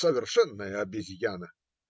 - Совершенная обезьяна.